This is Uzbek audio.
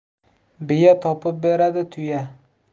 biya topib beradi tuya